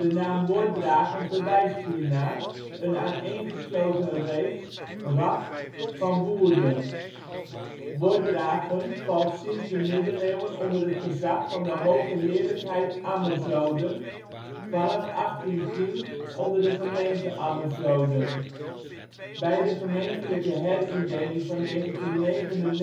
naam Wordragen verwijst hiernaar: een aaneengesloten reeks (rag) van woerden. Wordragen valt sinds de middeleeuwen onder het gezag van de hoge heerlijkheid Ammerzoden, vanaf 1810 onder de gemeente Ammerzoden. Bij de gemeentelijke herindeling van 1999 werd de